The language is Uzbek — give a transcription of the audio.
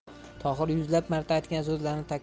tohir yuzlab marta aytgan so'zlarini